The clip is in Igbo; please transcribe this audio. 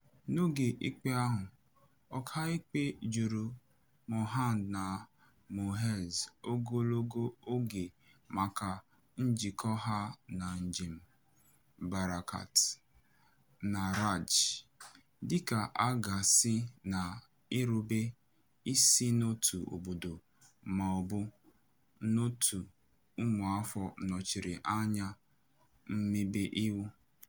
N'oge ikpe ahụ, ọkàikpe jụrụ Mohand na Moez ogologo oge maka njikọ ha na njem "Barakat!" na RAJ, dịka a ga-asị na irube isi n'òtù obodo maọbụ n'òtù ụmụafọ nọchiri anya mmebi iwu."